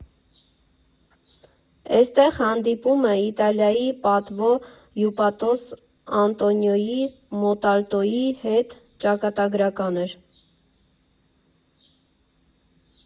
Էստեղ հանդիպումը Իտալիայի պատվո հյուպատոս Անտոնիոյի Մոտալտոյի հետ ճակատագրական էր։